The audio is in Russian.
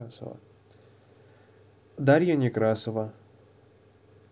дарья некрасова